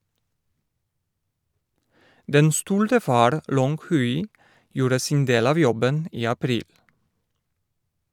Den stolte far Long Hui gjorde sin del av jobben i april.